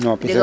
non